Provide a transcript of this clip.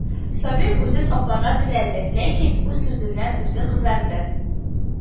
Сабир үзен акларга теләде, ләкин үз сүзеннән үзе кызарды